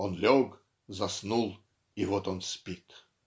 он лег, заснул и вот он спит".